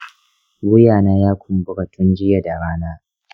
wuyana ya kumbura tun jiya da rana.